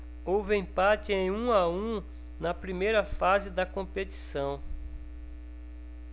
houve empate em um a um na primeira fase da competição